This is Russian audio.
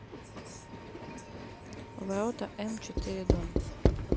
ворота м четыре дон